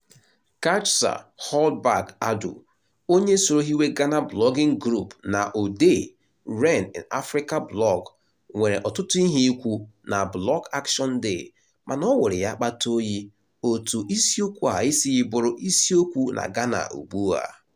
Kajsa Hallberg Adu, onye soro hiwe Ghana Blogging Group na odee Rain In Africa blog, nwere ọtụtụ ihe ikwu na Blog Action Day, mana ọ wụrụ ya akpata oyi “otú isiokwu a esighị bụrụ isiokwu na Ghana ugbua”.